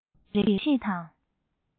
ངག གི རིག བྱེད དང